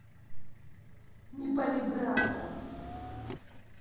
не пали брата